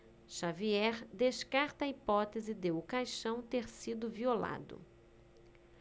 xavier descarta a hipótese de o caixão ter sido violado